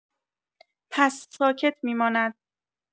پس ساکت می‌ماند.